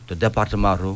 to département roo